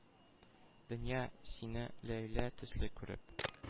Дөнья, сине Ләйлә төсле күреп,